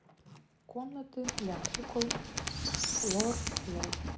комнаты для кукол лор лор